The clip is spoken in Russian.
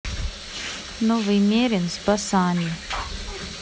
новый мерин с басами